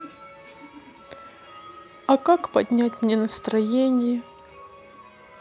а как поднять мне настроение